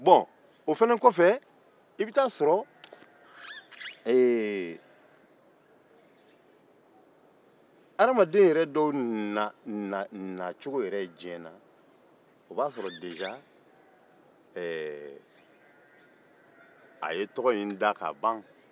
o fana kɔfɛ i bɛ t'a sɔrɔ adamaden dɔw nato diɲa na ye tɔgɔ dɔ ta